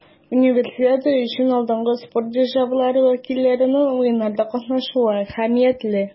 Универсиада өчен алдынгы спорт державалары вәкилләренең Уеннарда катнашуы әһәмиятле.